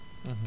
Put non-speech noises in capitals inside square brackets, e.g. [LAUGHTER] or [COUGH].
[HESITATION] [HESITATION]